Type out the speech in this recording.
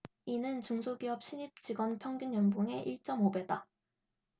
이는 중소기업 신입 직원 평균 연봉의 일 쩜 오 배다